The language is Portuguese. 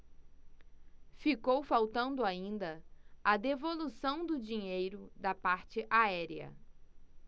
ficou faltando ainda a devolução do dinheiro da parte aérea